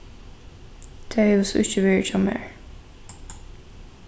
tað hevur so ikki verið hjá mær